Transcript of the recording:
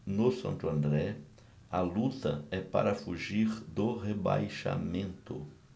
no santo andré a luta é para fugir do rebaixamento